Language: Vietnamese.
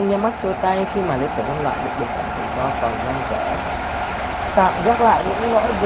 ông nhắm mắt xuôi tay khi mà lí tưởng nhân loại được bình đẳng tự do còn dang dở